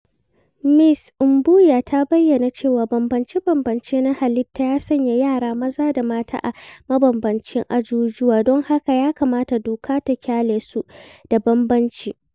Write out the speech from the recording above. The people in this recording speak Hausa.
Ms Mbuya ta bayyana cewa bambamce-bambamce na halitta ya sanya yara maza da mata a "mabambamtan ajujuwa" don haka ya kamata doka ta kallesu da bambamci.